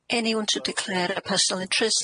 Anyone to declare a personal interest?